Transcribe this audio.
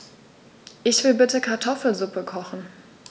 Ich will bitte Kartoffelsuppe kochen.